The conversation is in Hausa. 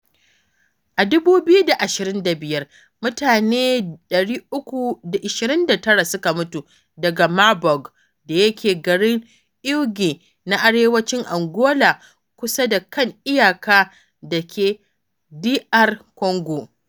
A 20025, mutane 329 suka mutu daga Marburg da yake garin Uige na arewacin Angola, kusa da kan iyaka da DR Congo.